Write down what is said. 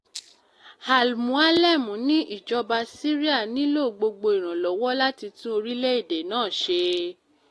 Al-Moualem ní ìjọba Syria nílò gbogbo ìrànlọwọ́ láti tún orílẹ̀-èdè náà ṣe.